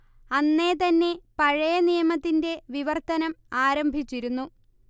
അന്നേ തന്നെ പഴയ നിയമത്തിന്റെ വിവർത്തനം ആരംഭിച്ചിരുന്നു